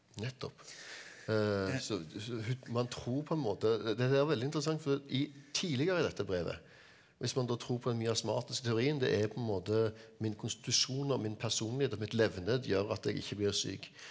nettopp så så man tror på en måte det der er veldig interessant for i tidligere i dette brevet hvis man da tror på den miasmatiske teorien det er på en måte min konstitusjon og min personlighet og mitt levned gjør at jeg ikke blir syk.